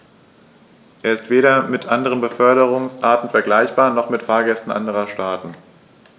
Er ist weder mit anderen Beförderungsarten vergleichbar, noch mit Fahrgästen anderer Staaten.